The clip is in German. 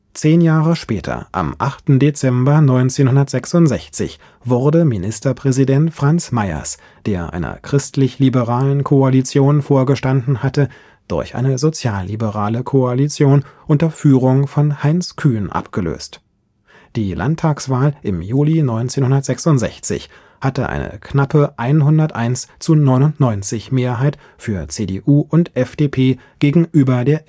Zehn Jahre später, am 8. Dezember 1966 wurde Ministerpräsident Franz Meyers, der einer christlich-liberalen Koalition vorgestanden hatte, durch eine sozial-liberale Koalition unter Führung von Heinz Kühn abgelöst. Die Landtagswahl im Juli 1966 hatte eine knappe 101:99-Mehrheit für CDU und FDP gegenüber der